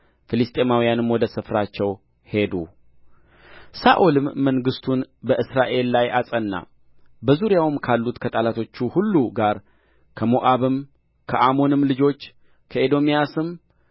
ፍልስጥኤማውያንም ወደ ስፍራቸው ሄዱ ሳኦልም መንግሥቱን በእስራኤል ላይ አጸና በዙሪያውም ካሉት ከጠላቶቹ ሁሉ ጋር ከሞዓብም ከአሞንም ልጆች ከኤዶምያስም